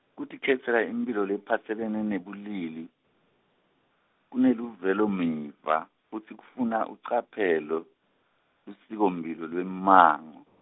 Kutikhetsela imphilo lephatselene nebulili, kuneluvelomiva, futsi kufuna ucaphele, lusikomphilo lwemmango.